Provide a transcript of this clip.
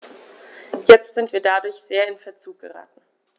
Jetzt sind wir dadurch sehr in Verzug geraten.